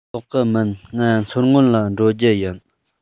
ལོག གི མིན ང མཚོ སྔོན ལ འགྲོ རྒྱུ ཡིན